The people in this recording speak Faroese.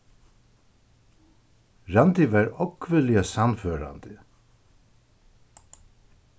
randi var ógvuliga sannførandi